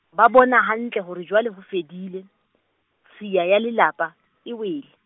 ba bona hantle hore jwale ho fedile, tshiya ya le lapa , e wele.